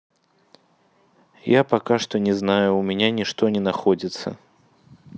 я пока что не знаю у меня ничто не находится